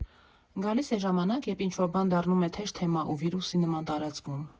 «Գալիս է ժամանակ, երբ ինչ֊որ բան դառնում է թեժ թեմա ու վիրուսի նման տարածվում։